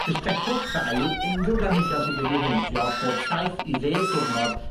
Chwistrellwch ddail unryw blanhigion sydd wedi heintio bob saith i ddeg diwrnod